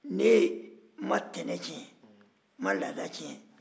ne ma tana tiɲɛ n ma laada tiɲɛ